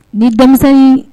Ni denmisɛnw